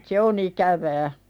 se on ikävää